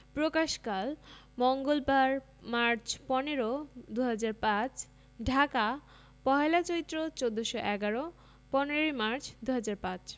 প্রকাশকালঃ মঙ্গলবার মার্চ ১৫ ২০০৫ ঢাকা ১লা চৈত্র ১৪১১ ১৫ই মার্চ ২০০৫